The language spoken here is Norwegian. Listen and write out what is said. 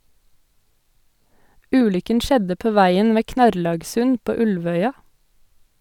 Ulykken skjedde på veien ved Knarrlagsund på Ulvøya.